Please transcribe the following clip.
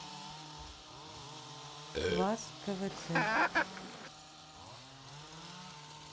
ваз квц